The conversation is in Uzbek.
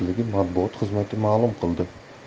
vazirligi matbuot xizmati ma'lum qildi